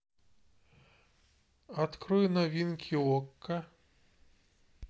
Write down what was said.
открой новинки окко